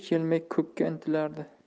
kelmay ko'kka intilardi